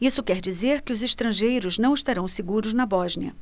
isso quer dizer que os estrangeiros não estarão seguros na bósnia